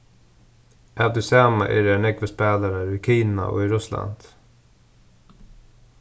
av tí sama eru har nógvir spælarar í kina og í russlandi